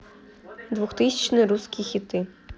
двухтысячные русские хиты